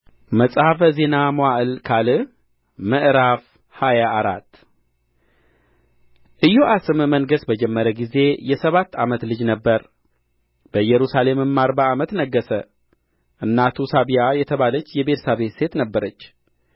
መጽሐፈ ዜና መዋዕል ካልዕ ምዕራፍ ሃያ አራት ኢዮአስም መንገሥ በጀመረ ጊዜ የሰባት ዓመት ልጅ ነበረ በኢየሩሳሌምም አርባ ዓመት ነገሠ እናቱም ሳብያ የተባለች የቤርሳቤህ ሴት ነበረች